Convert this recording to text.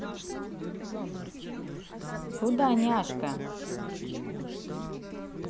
куда няшка